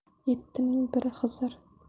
yettining biri xizr